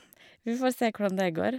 Vi får se hvordan det går.